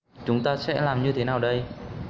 chúng ta sẽ làm như thế nào đây